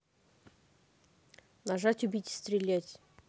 нажать убить стрелять